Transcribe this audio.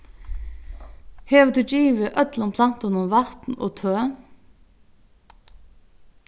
hevur tú givið øllum plantunum vatn og tøð